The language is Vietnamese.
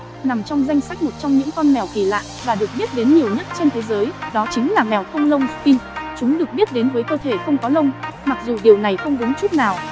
nằm trong danh sách một trong những con mèo kỳ lạ và được biết đến nhiều nhất trên thế giới đó chính là mèo không lông sphynx chúng được biết đến với cơ thể không có lông mặc dù điều này không đúng chút nào